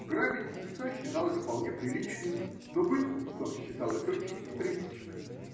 Грабить купца считалось вполне приличным, но быть купцом считалось очень неприличным.